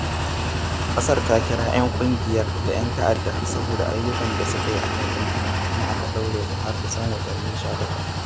ƙasar ta kira 'yan ƙungiyar da "'yan ta'adda" saboda ayyukan da suke yi a kan intanet kuma aka ɗaure su har kusan watanni 18.